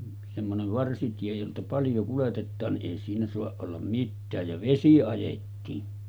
semmoinen varsitie jolta paljon kuljetetaan niin ei siinä saa olla mitään ja vesi ajettiin